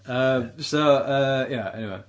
Yym so yy ia eniwe...